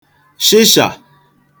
shịshà